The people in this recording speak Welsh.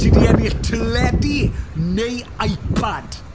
Ti 'di ennill teledu neu iPad.